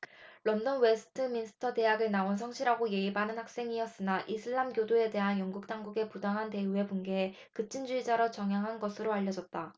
런던 웨스트민스터 대학을 나온 성실하고 예의 바른 학생이었으나 이슬람교도에 대한 영국 당국의 부당한 대우에 분개해 급진주의자로 전향한 것으로 알려졌다